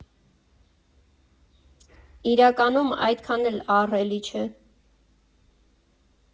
Իրականում, այդքան էլ ահռելի չէ։